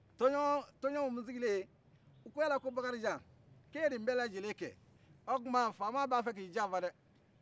tɔnjɔnw sigilen u ko yala ko bakarijan k'e ye nin bɛlajɛlen kɛ o tuma fama b'a fɛ k'i janfa dɛhh